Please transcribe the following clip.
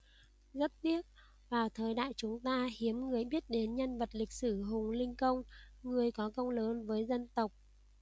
rất tiếc vào thời đại chúng ta hiếm người biết đến nhân vật lịch sử hùng linh công người có công lớn với dân tộc